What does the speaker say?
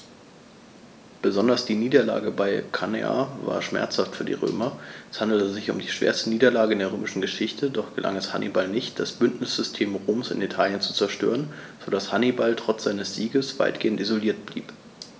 Besonders die Niederlage bei Cannae war schmerzhaft für die Römer: Es handelte sich um die schwerste Niederlage in der römischen Geschichte, doch gelang es Hannibal nicht, das Bündnissystem Roms in Italien zu zerstören, sodass Hannibal trotz seiner Siege weitgehend isoliert blieb.